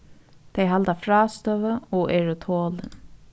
tey halda frástøðu og eru tolin